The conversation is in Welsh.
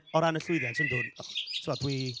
o ran y llwyddiant, yndw, och ti'n gwybod, dwi...